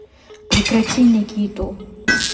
прекрати никиту